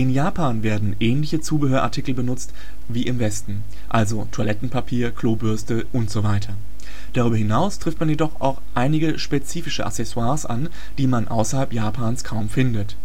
Japan werden ähnliche Zubehörartikel benutzt wie im Westen, also Toilettenpapier, Klobürste usw. Darüber hinaus trifft man jedoch auch einige spezifische Accessoires an, die man außerhalb Japans kaum findet